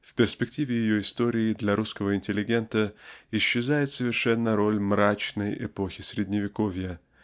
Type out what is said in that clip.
В перспективе ее истории для русского интеллигента исчезает совершенно роль "мрачной" эпохи средневековья